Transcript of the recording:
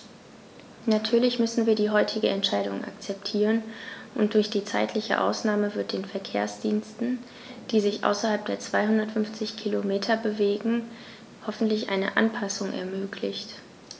Natürlich müssen wir die heutige Entscheidung akzeptieren, und durch die zeitliche Ausnahme wird den Verkehrsdiensten, die sich außerhalb der 250 Kilometer bewegen, hoffentlich eine Anpassung ermöglicht.